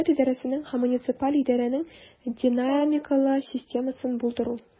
Дәүләт идарәсенең һәм муниципаль идарәнең динамикалы системасын булдыру.